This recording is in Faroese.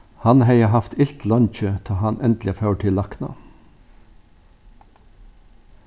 hann hevði havt ilt leingi tá hann endiliga fór til lækna